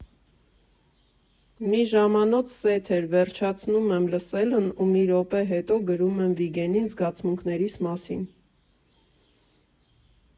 Մի ժամանոց սեթ էր, վերջացնում եմ լսելն ու մի րոպե հետո գրում եմ Վիգենին զգացմունքներիս մասին։